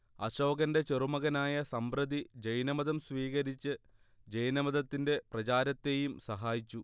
അശോകന്റെ ചെറുമകനായ സമ്പ്രതി ജൈനമതം സ്വീകരിച്ച് ജൈനമതത്തിന്റെ പ്രചാരത്തേയും സഹായിച്ചു